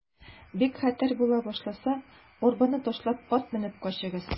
Бик хәтәр була башласа, арбаны ташлап, ат менеп качыгыз.